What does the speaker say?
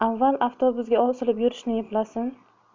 avval avtobusga osilib yurishni eplasin